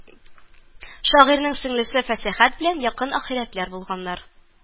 Шагыйрьнең сеңлесе фәсәхәт белән якын ахирәтләр булганнар